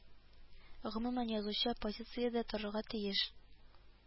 Гомумән, язучы оппозициядә торырга тиеш